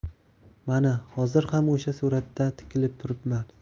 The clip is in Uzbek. mana hozir ham o'sha suratga tikilib turibman